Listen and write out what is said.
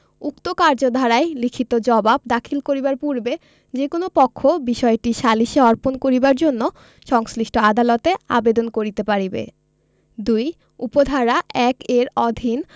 উক্ত কার্যধারায় লিখিত জবাব দাখিল করিবার পূর্বে যে কোন পক্ষ বিষয়টি সালিসে অর্পণ করিবার জন্য সংশ্লিষ্ট আদালতে আবেদন করিতে পারিবে ২ উপ ধারা ১ এর অধীন